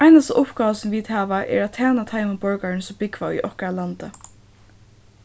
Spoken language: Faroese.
einasta uppgáva sum vit hava er at tæna teimum borgarum sum búgva í okkara landi